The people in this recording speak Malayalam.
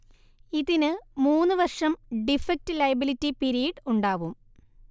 ഇതിന് മൂന്ന് വർഷം ഡിഫക്ട് ലയബിലിറ്റി പിരീഡ് ഉണ്ടാവും